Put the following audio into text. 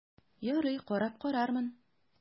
Ярый, карап карармын...